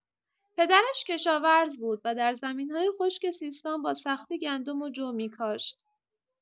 پدرش کشاورز بود و در زمین‌های خشک سیستان با سختی گندم و جو می‌کاشت.